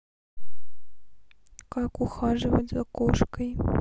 как ухаживать за кошкой